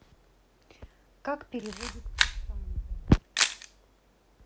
как переводится с сандрой